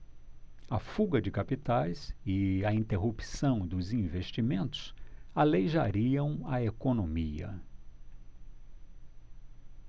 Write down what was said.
a fuga de capitais e a interrupção dos investimentos aleijariam a economia